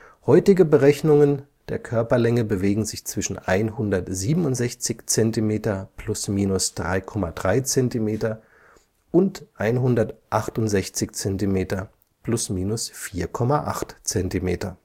Heutige Berechnungen der Körperlänge bewegen sich zwischen 167 cm ± 3,3 cm und 168 cm ± 4,8 cm